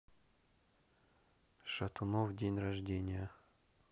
шатунов день рождения